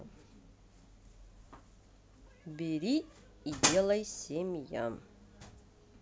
бери и делай семья